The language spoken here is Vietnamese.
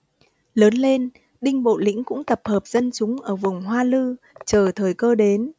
lớn lên đinh bộ lĩnh cũng tập hợp dân chúng ở vùng hoa lư chờ thời cơ đến